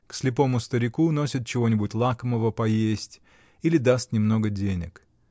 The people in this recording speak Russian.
К слепому старику носит чего-нибудь лакомого поесть или даст немного денег.